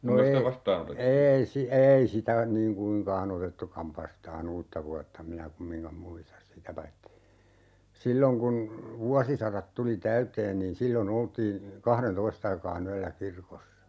no ei ei - ei sitä niin kuinkaan otettukaan vastaan uutta vuotta minä kumminkaan muista sitä paitsi silloin kun vuosisadat tuli täyteen niin silloin oltiin kahdentoista aikaan yöllä kirkossa